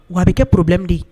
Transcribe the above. Wa bɛ kɛ porobilɛdi